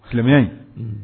Silamɛmeya in